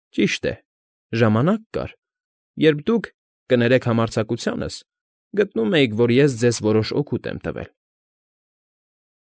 Ճիշտ է, ժամանակ կար, երբ դուք, կներեք համարձակությանս, գտնում էիք, որ ես ձեզ որոշ օգուտ եմ տվել։